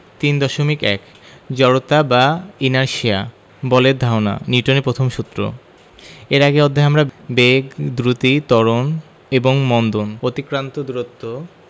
3.1 জড়তা বা ইনারশিয়া বলের ধারণা নিউটনের প্রথম সূত্র এর আগের অধ্যায়ে আমরা বেগ দ্রুতি ত্বরণ এবং মন্দন অতিক্রান্ত দূরত্ব